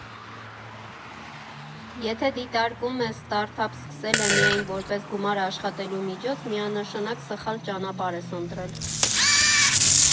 Եթե դիտարկում ես ստարտափ սկսելը միայն որպես գումար աշխատելու միջոց, միանշանակ սխալ ճանապարհ ես ընտրել։